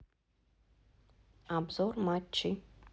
обзор матчей